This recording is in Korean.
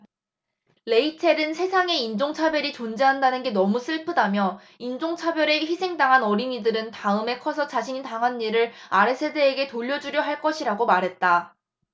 레이첼은 세상에 인종차별이 존재한다는 게 너무 슬프다며 인종차별에 희생당한 어린이들은 다음에 커서 자신이 당한 일을 아래 세대에게 돌려주려 할 것이라고 말했다